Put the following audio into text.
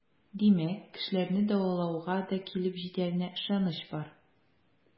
Димәк, кешеләрне дәвалауга да килеп җитәренә ышаныч бар.